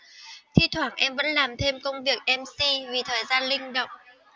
thi thoảng em vẫn làm thêm công việc mc vì thời gian linh động